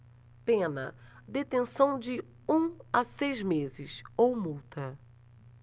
pena detenção de um a seis meses ou multa